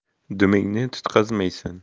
dumingni tutqazmaysan